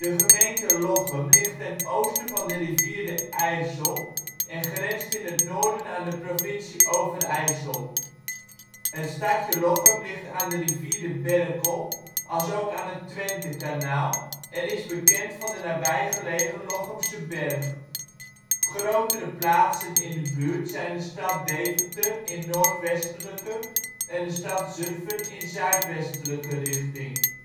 gemeente Lochem ligt ten oosten van de rivier de IJssel en grenst in het noorden aan de provincie Overijssel. Het stadje Lochem ligt aan de rivier de Berkel alsook aan het Twentekanaal en is bekend van de nabijgelegen Lochemse Berg (zie verderop bij ' Natuur '). Grotere plaatsen in de buurt zijn de stad Deventer in noordwestelijke en de stad Zutphen in zuidwestelijke richting